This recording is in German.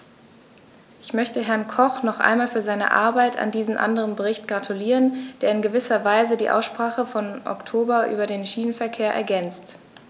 Ich möchte Herrn Koch noch einmal für seine Arbeit an diesem anderen Bericht gratulieren, der in gewisser Weise die Aussprache vom Oktober über den Schienenverkehr ergänzt.